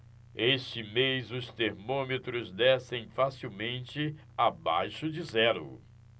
este mês os termômetros descem facilmente abaixo de zero